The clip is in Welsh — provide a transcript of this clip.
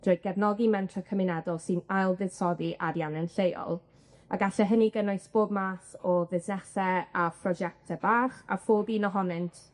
drwy gefnogi mentre cymunedol sy'n ail-fuddsoddi arian yn lleol a galle hynny gynnwys bob math o fusnese a phrosiecte bach, a pob un ohonynt